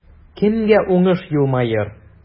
Кемгә уңыш елмаер?